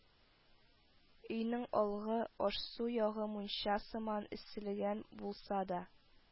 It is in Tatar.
Өйнең алгы, аш-су ягы мунча сыман эсселәгән булса да,